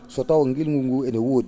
so taw nguilngu nguu ene woodi